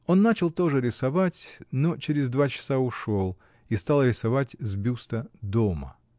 Он начал тоже рисовать, но через два часа ушел и стал рисовать с бюста дома.